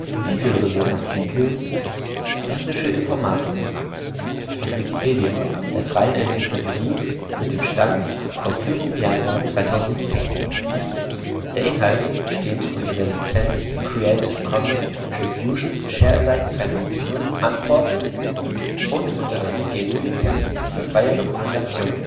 Sie hören den Artikel Technische Informatik, aus Wikipedia, der freien Enzyklopädie. Mit dem Stand vom Der Inhalt steht unter der Lizenz Creative Commons Attribution Share Alike 3 Punkt 0 Unported und unter der GNU Lizenz für freie Dokumentation